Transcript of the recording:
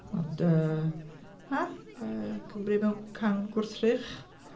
Ond yy na yy Cymru mewn can gwrthrych.